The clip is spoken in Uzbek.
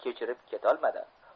kechirib ketolmadi